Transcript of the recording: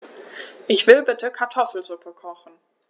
Ich will bitte Kartoffelsuppe kochen.